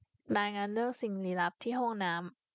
รายงานเรื่องสิ่งลี้ลับที่ห้องน้ำ